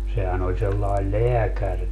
sehän oli sellainen lääkärikin